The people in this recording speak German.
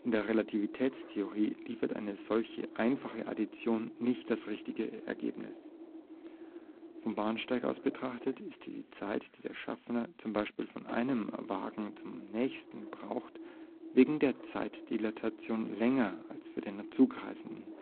der Relativitätstheorie liefert eine solche einfache Addition nicht das richtige Ergebnis. Vom Bahnsteig aus betrachtet ist die Zeit, die der Schaffner z. B. von einem Wagen zum nächsten braucht, wegen der Zeitdilatation länger als für den Zugreisenden